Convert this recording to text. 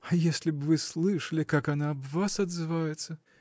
А если б вы слышали, как она о вас отзывается!